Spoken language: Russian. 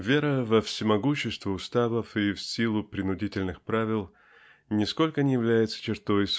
Вера во всемогущество уставов и в силу принудительных правил нисколько не является чертой